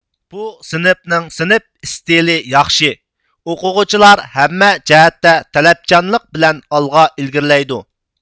بۇ سىنىپنىڭ سىنىپ ئىستىلى ياخشى ئوقۇغۇچىلار ھەممە جەھەتتە تەلەپچانلىق بىلەن ئالغا ئىلگىرىلەيدۇ